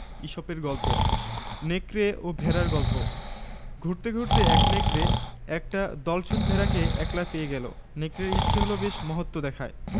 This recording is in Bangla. আমি রাবেয়াকে বললাম ছিঃ রাবেয়া এসব বলতে আছে ছিঃ এগুলি বড় বাজে কথা তুই কত বড় হয়েছিস রাবেয়া আমার এক বৎসরের বড় আমি তাকে তুই বলি পিঠাপিঠি ভাই বোনের একজন আরেক জনকে তুই বলেই ডাকে